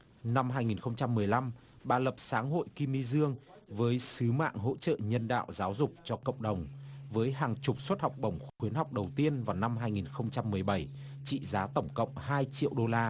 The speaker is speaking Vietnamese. năm hai nghìn không trăm mười lăm bà lập sáng hội kim my dương với sứ mạng hỗ trợ nhân đạo giáo dục cho cộng đồng với hàng chục suất học bổng khuyến học đầu tiên vào năm hai nghìn không trăm mười bảy trị giá tổng cộng hai triệu đô la